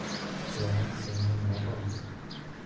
iye senga nima bo'ldi